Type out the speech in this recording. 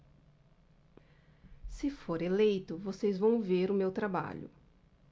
se for eleito vocês vão ver o meu trabalho